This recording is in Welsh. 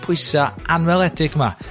pwysa' anweledig 'ma